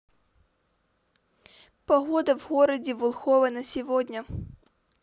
погода в городе волхове на сегодня